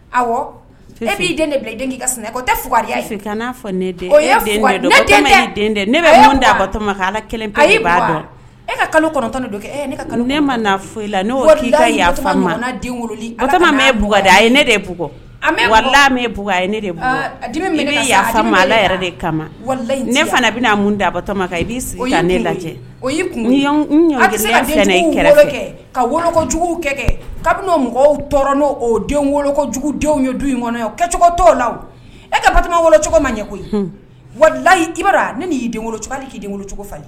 Aw'i den n'a fɔ ne ne ala e ka kalo kɔnɔntɔn don ne ma fɔ i la k'i ka bugda a ye ne bugug ye ne de kama ne fana bɛ'a mun datɔ i yan ne lajɛ o y ka wolo jugu kɛ kabini mɔgɔw tɔɔrɔ n'o o wolo jugudenw ye du in kɔnɔ kɛcogo to la e ka ba wolocogo ma ɲɛ koyi wali i ne y'i den cogo k'icogo ye